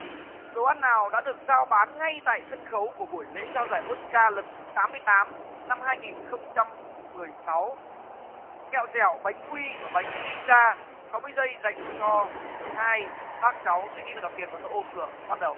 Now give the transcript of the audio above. đồ ăn nào đã được rao bán ngay tại sân khấu của buổi lễ trao giải ốt xờ ca lần thứ tám mươi tám năm hai nghìn không trăm mười sáu kẹo dẻo bánh quy và bánh pi da sáu mươi giây dành cho hai bác cháu suy nghĩ và đặt tiền vào các ô cửa bắt đầu